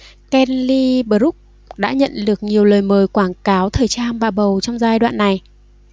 kelly brook đã nhận được nhiều lời mời quảng cáo thời trang bà bầu trong giai đoạn này